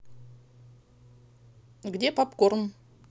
где попкорн